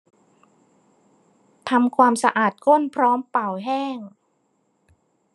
ทำความสะอาดก้นพร้อมเป่าแห้ง